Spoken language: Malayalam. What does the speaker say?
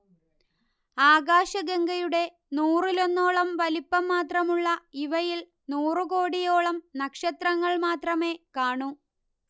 ആകാശഗംഗയുടെ നൂറിലൊന്നോളം വലിപ്പം മാത്രമുള്ള ഇവയിൽ നൂറുകോടിയോളം നക്ഷത്രങ്ങൾ മാത്രമേ കാണൂ